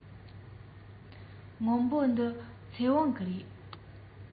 སྔོན པོ འདི ཚེ དབང གི རེད